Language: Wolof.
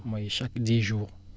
mooy chaque dix jours